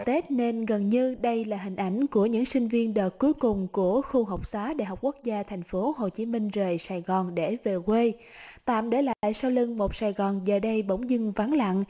tết nên gần như đây là hình ảnh của những sinh viên đợt cuối cùng của khu học xá đại học quốc gia thành phố hồ chí minh rời sài gòn để về quê tạm để lại đằng sau lưng một sài gòn giờ đây bỗng dưng vắng lặng